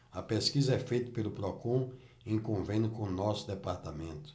a pesquisa é feita pelo procon em convênio com o diese